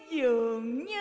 dường